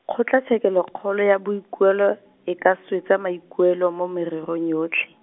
Kgotlatshekelokgolo ya Boikuelo, e ka swetsa maikuelo mo mererong yotlhe.